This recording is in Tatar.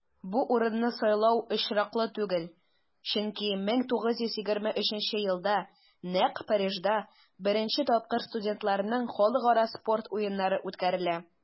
Бу урынны сайлау очраклы түгел, чөнки 1923 елда нәкъ Парижда беренче тапкыр студентларның Халыкара спорт уеннары үткәрелә.